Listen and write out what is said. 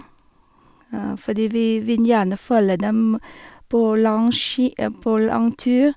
Fordi vi vil gjerne følge dem på lang ski på lang tur.